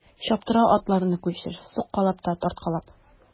Чаптыра атларны кучер суккалап та тарткалап.